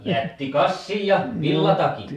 jätti kassin ja villatakin